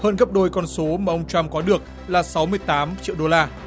hơn gấp đôi con số mà ông trăm có được là sáu mươi tám triệu đô la